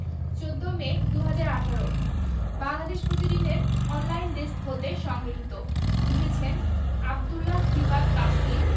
১৪মে ২০১৮ বাংলাদেশ প্রতিদিন এর online desk হতে সংগৃহীত লিখেছেনঃ আব্দুল্লাহ সিফাত তাফসীর